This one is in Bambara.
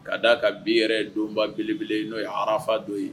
Ka d da a ka bin yɛrɛ donba belebele yen n'o ye ararafa dɔ ye